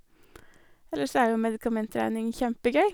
Ellers så er jo medikamentregning kjempegøy.